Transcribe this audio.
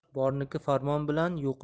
borniki farmon bilan